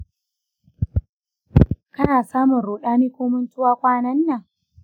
kana samun ruɗani ko mantuwa kwanan nan?